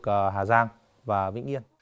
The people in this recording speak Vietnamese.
hà giang và vĩnh yên